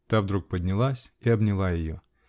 Та вдруг поднялась и обняла ее.